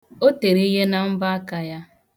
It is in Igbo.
O tere ihe na mbọaka ya.